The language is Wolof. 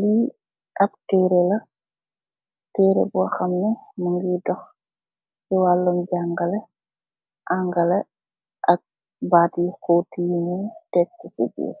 Li ap tereh la tereh bo hamneh mogi dox si walum jangale angale ak bati hoot yeni teksi birr